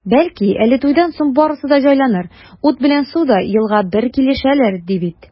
Бәлки әле туйдан соң барысы да җайланыр, ут белән су да елга бер килешәләр, ди бит.